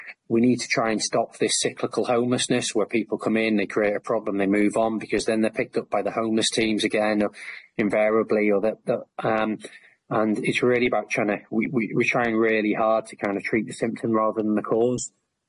we need to try and stop this cyclical homelessness where people come in, they create a problem, they move on, because then they're picked up by the homeless teams again, or invariably, or that that the um. And it's really about trying to we we we're trying really hard to kind of treat the symptom rather than the cause,